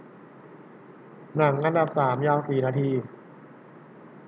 หนังอันดับสามยาวกี่นาที